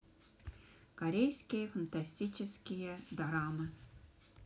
корейские фантастические дорамы